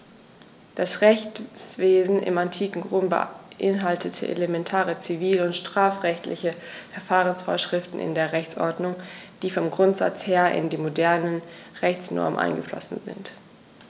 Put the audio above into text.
Das Rechtswesen im antiken Rom beinhaltete elementare zivil- und strafrechtliche Verfahrensvorschriften in der Rechtsordnung, die vom Grundsatz her in die modernen Rechtsnormen eingeflossen sind.